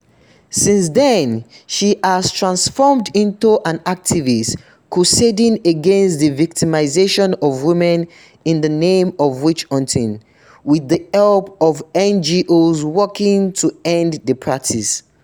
Since then, she has transformed into an activist crusading against the victimization of women in the name of witch-hunting with the help of NGOs working to end the practice.